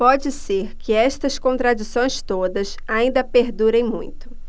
pode ser que estas contradições todas ainda perdurem muito